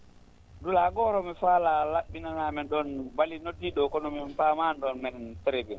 dulaa gooro mi faalaa laɓɓinanaa men ɗoon Bali noddii ɗoon kono men paamaani ɗoon menen trés bien